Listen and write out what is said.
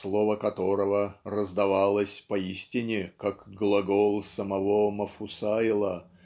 "слово которого раздавалось поистине как глагол самого Мафусаила